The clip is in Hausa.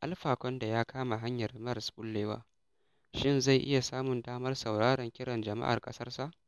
Alpha Conde ya kama hanyar maras ɓullewa. Shin zai iya samun damar sauraron kiran jama'ar ƙasarsa